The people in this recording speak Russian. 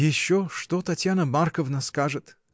— Еще что Татьяна Марковна скажет!